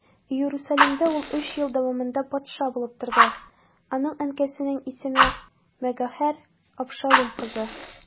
Иерусалимдә ул өч ел дәвамында патша булып торды, аның әнкәсенең исеме Мәгакәһ, Абшалум кызы.